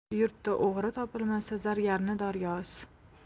yurtda o'g'ri topilmasa zargarni dorga os